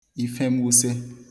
ife mwuse